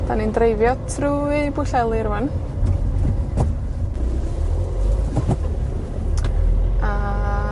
'Dan ni'n dreifio trwy Bwllheli rŵan. A,